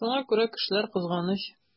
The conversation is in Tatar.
Шуңа күрә кешеләр кызганыч.